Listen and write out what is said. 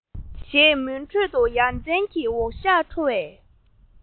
ཞེས མུན ཁྲོད དུ ཡ མཚན གྱི འོད ཞགས འཕྲོ བའི